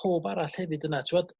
powb arall hefyd yna t'wod